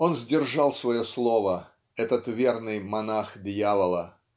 Он сдержал свое слово, этот верный монах Дьявола.